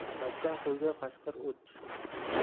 qaytgan qo'yga qashqir o'ch